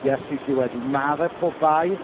Iesu sydd wedi maddau pob bai.